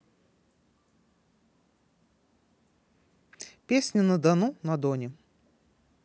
песня на дону на доне